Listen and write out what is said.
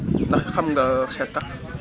ndax xam nga xetax